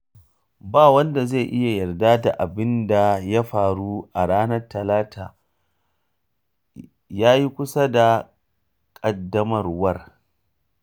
Ba wanda zai iya yarda da abin da ya faru a ranar Talata, ya yi kusa da ƙaddamarwar.